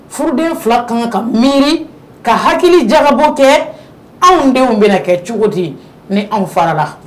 Furuden fila kan ka miiri ka hakili jakabɔ kɛ anw denw bɛna kɛ cogo di ni anw farala